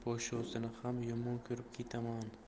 ham yomon ko'rib ketaman